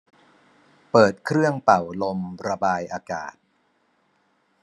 เปิดเครื่องเป่าลมระบายอากาศ